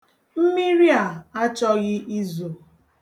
Mmiri a achọghị izo.